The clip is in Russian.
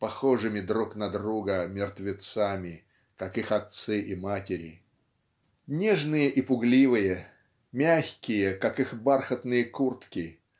похожими друг на друга мертвецами как их отцы и матери". Нежные и пугливые мягкие как их бархатные куртки